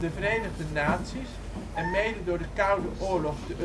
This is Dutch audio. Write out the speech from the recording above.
Verenigde Naties, en mede door de Koude Oorlog de